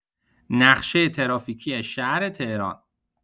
نقشه ترافیکی شهر تهران